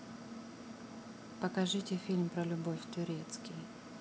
покажите фильм про любовь турецкий